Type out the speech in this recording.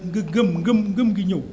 nga gëm ngëm ngëm gi ñëw